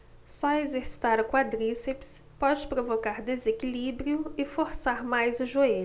só exercitar o quadríceps pode provocar desequilíbrio e forçar mais o joelho